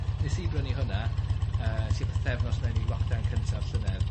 Nes i brynny hwnna yy tua pythefnos mewn i lockdown cyntaf llynedd.